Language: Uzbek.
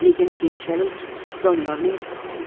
lekin keyinchalik doniyorning